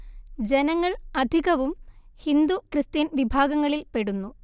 ജനങ്ങൾ അധികവും ഹിന്ദു ക്രിസ്ത്യൻ വിഭാഗങ്ങളിൽ പെടുന്നു